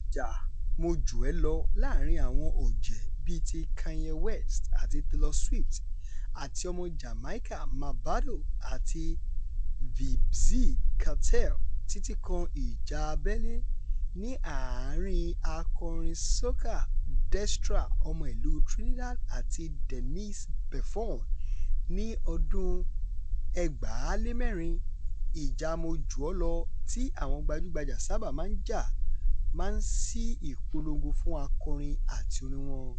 Ìjà mo jù ẹ lọ láàárín àwọn ọ̀jẹ̀ bíi ti Kanye West àti Taylor Swift àti ọmọ Jamaica Mavado àti Vybz Kartel, títí kan ìjà abẹ́lé ní àárín-in akọrin soca Destra ọmọ ìlú Trinidad àti Denise Belfon ní ọdún 2004, ìjà mo jù ọ́ lọ tí àwọn gbajúgbajà sábà máa ń já máa ń sí ìpolongo fún akọrin àti orin wọn.